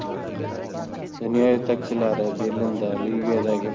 dunyo yetakchilari berlinda liviyadagi